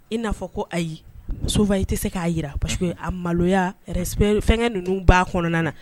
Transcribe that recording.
I'a fɔ ko ayi muso i tɛ se k'a jira parce a maloya fɛn ninnu ba kɔnɔna na